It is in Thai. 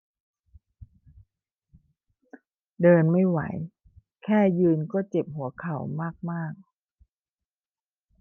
เดินไม่ไหวแค่ยืนก็เจ็บหัวเข่ามากมาก